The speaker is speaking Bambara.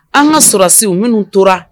An ka sɔrɔdasiw minnu tora